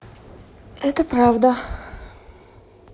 это правда